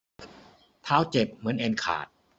เท้าเจ็บเหมือนเอ็นขาด